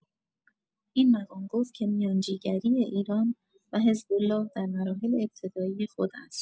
این مقام گفت که میانجی‌گری ایران و حزب‌الله در مراحل ابتدایی خود است